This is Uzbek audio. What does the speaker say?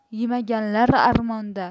yemaganlar armonda